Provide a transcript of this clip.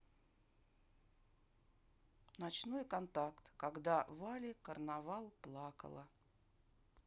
ночной контакт когда вали карнавал плакала